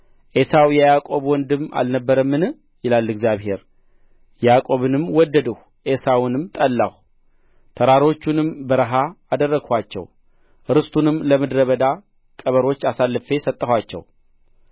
ዔሳው የያዕቆብ ወንድም አልነበረምን ይላል እግዚአብሔር ያዕቆብንም ወደድሁ ዔሳውንም ጠላሁ ተራሮቹንም በረሃ አደረግኋቸው ርስቱንም ለምድረ በዳ ቀበሮች አሳልፌ ሰጠኋቸው